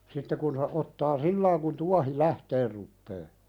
sitten kun se ottaa silloin kun tuohi lähtemään rupeaa